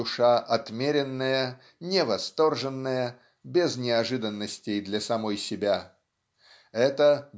душа отмеренная, невосторженная, без неожиданностей для самой себя. Это